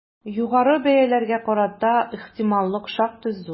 Югары бәяләргә карата ихтималлык шактый зур.